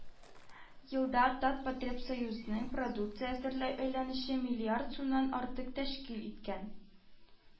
Елда «татпотребсоюз»ның продукция әзерләү әйләнеше миллиард сумнан артык тәшкил иткән